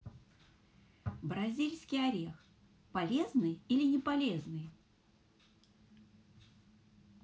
бразильский орех полезный или не полезный